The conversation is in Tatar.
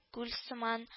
Күл сыман